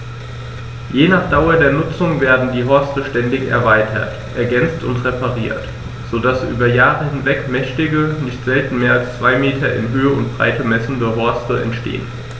Je nach Dauer der Nutzung werden die Horste ständig erweitert, ergänzt und repariert, so dass über Jahre hinweg mächtige, nicht selten mehr als zwei Meter in Höhe und Breite messende Horste entstehen.